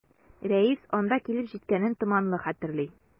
Рәис анда килеп җиткәнен томанлы хәтерли.